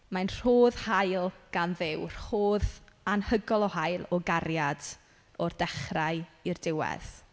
Mae'n rhodd hael gan Dduw. Rhodd anhygoel o hael o gariad o'r dechrau i'r diwedd.